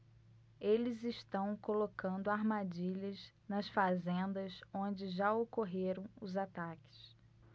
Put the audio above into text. eles estão colocando armadilhas nas fazendas onde já ocorreram os ataques